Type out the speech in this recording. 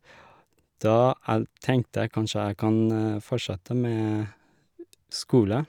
Da æ tenkte jeg, kanskje jeg kan fortsette med skole.